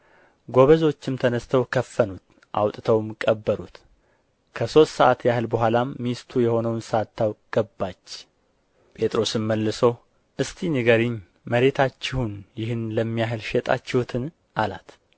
ጐበዞችም ተነሥተው ከፈኑት አውጥተውም ቀበሩት ከሦስት ሰዓት ያህል በኋላም ሚስቱ የሆነውን ሳታውቅ ገባች ጴጥሮስም መልሶ እስቲ ንገሪኝ መሬታችሁን ይህን ለሚያህል ሸጣችሁትን አላት